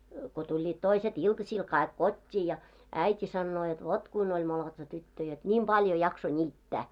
kun tulivat toiset iltasilla kaikki kotiin ja äiti sanoo jotta vot kuinka oli molotsa tyttö jotta niin paljon jaksoi niittää